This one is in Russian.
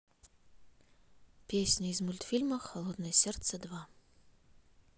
песня из мультфильма холодное сердце два